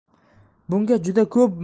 bunga juda ko'p